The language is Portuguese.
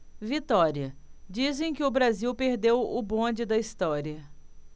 vitória dizem que o brasil perdeu o bonde da história